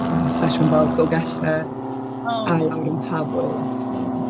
A sesiwn fawr Dolgellau... o ...a lawr yn Tafwyl a pethe fel 'na.